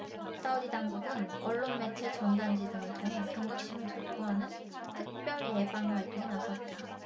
사우디 당국은 언론매체 전단지 등을 통해 경각심을 촉구하는 특별 예방 활동에 나섰다